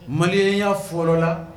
Maliya fɔlɔ la